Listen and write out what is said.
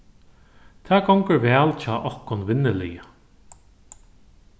tað gongur væl hjá okkum vinnuliga